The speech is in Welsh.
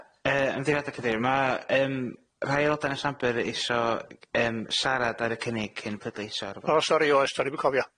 Yym, ymddiheuriada' Cadeirydd. Ma' yym rhai aelodau yn siambr isio siarad ar y cynnig cyn pleidleisio... O, oes sori. do'n i ddim yn cofio.